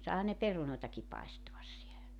saihan ne perunoitakin paistaa siellä